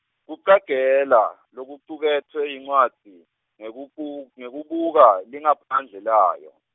kucagela, lokucuketfwe yincwadzi ngekubu- ngekubuka, lingaphandle layo.